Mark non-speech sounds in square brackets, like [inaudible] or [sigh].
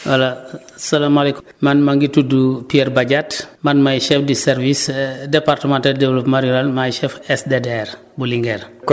voilà salaamaaleykum man maa ngi tudd Pierre Badiane man maay chef de service [hesitation] départemental développement rural maay chef SDDR bu Linguère